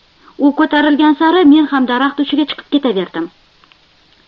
u ko'tarilgan sari men ham daraxt uchiga chiqib ketaverdim